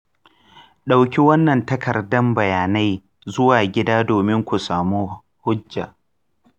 ɗauki wannan takardar bayanai zuwa gida domin ku samu hujja.